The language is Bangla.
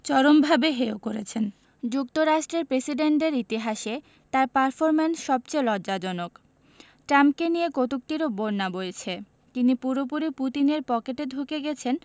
চরমভাবে হেয় করেছেন যুক্তরাষ্ট্রের প্রেসিডেন্টদের ইতিহাসে তাঁর পারফরমেন্স সবচেয়ে লজ্জাজনক ট্রাম্পকে নিয়ে কটূক্তিরও বন্যা বইছে তিনি পুরোপুরি পুতিনের পকেটে ঢুকে গেছেন